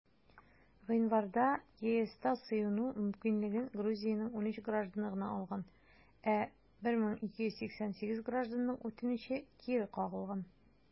Гыйнварда ЕСта сыену мөмкинлеген Грузиянең 13 гражданы гына алган, ә 1288 гражданның үтенече кире кагылган.